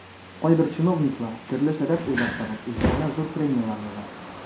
Кайбер чиновниклар, төрле сәбәп уйлап табып, үзләренә зур премияләр яза.